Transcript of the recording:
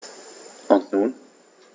Und nun?